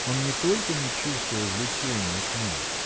Он не только не чувствовал влечения к ней